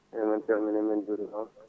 eyyi min calminima min jurimama